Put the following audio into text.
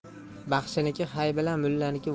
baxshiniki hay bilan